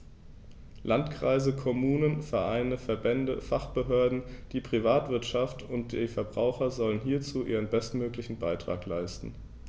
Landkreise, Kommunen, Vereine, Verbände, Fachbehörden, die Privatwirtschaft und die Verbraucher sollen hierzu ihren bestmöglichen Beitrag leisten.